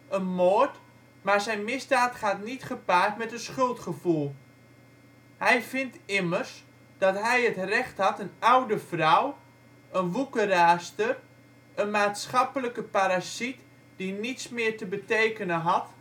een moord maar zijn misdaad gaat niet gepaard met een schuldgevoel. Hij vindt immers dat hij het recht had een oude vrouw, een woekeraarster, een maatschappelijke parasiet die niets meer te betekenen had